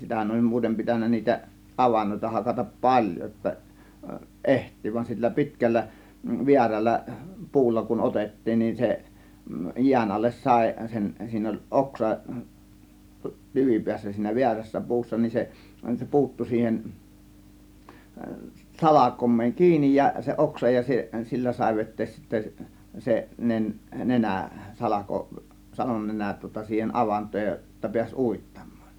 sitähän oli muuten pitänyt niitä avantoja hakata paljon jotta ehtii vain sillä pitkällä väärällä puulla kun otettiin niin se jään alle sai sen siinä oli oksa tyvipäässä siinä väärässä puussa niin se se puuttui siihen salkoon kiinni ja se oksa ja se sillä sai veteen sitten se - nenä salko salonnenän tuota siihen avantoon - jotta pääsi uittamaan